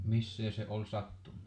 missä se oli sattunut